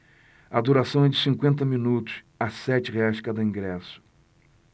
a duração é de cinquenta minutos a sete reais cada ingresso